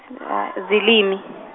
zilimi.